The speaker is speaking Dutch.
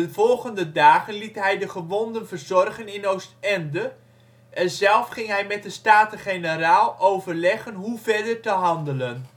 volgende dagen liet hij de gewonden verzorgen in Oostende en zelf ging hij met de Staten-Generaal overleggen hoe verder te handelen